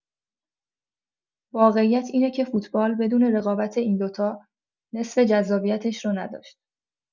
واقعیت اینه که فوتبال بدون رقابت این دوتا نصف جذابیتش رو نداشت.